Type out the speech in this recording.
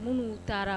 Minnuu taara